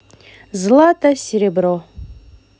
злато серебро